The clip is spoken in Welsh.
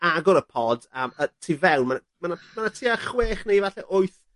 agor y pod a yy tu fewn ma' 'na ma' 'na tua chwech neu falle wyth